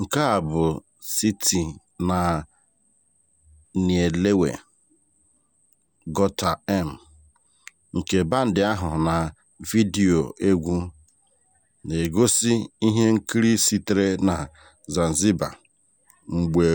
Nke a bụ Siti na "Nielewe" ("Ghọta M") nke Band ahụ na vidiyo egwu, na-egosi ihe nkiri sitere na Zanzibar mgbe